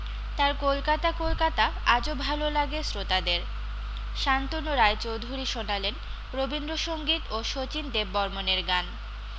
তার কলকাতা কলকাতা আজও ভাল লাগে শ্রোতাদের শান্তনু রায়চৌধুরী শোনালেন রবীন্দ্রসংগীত ও শচীন দেববরমনের গান